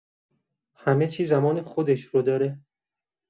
همه‌چی زمان خودش رو داره.